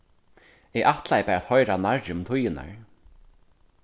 eg ætlaði bara at hoyra nærri um tíðirnar